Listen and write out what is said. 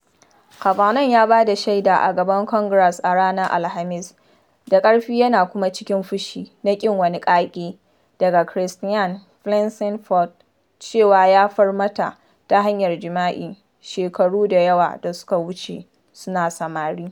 Kavanaugh ya ba da shaida a gaban Congress a ranar Alhamis, da ƙarfi yana kuma cikin fushi na ƙin wani ƙage daga Christine Blasey Ford cewa ya far mata ta hanyar jima’i shekaru da yawa da suka wuce suna samari.